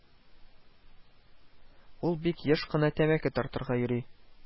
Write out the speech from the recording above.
Ул бик еш кына тәмәке тартырга йөри